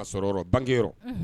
O y'a sɔrɔ bangekeyɔrɔ